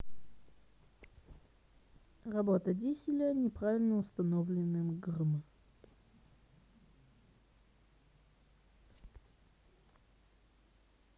работа дизеля неправильно установленным грм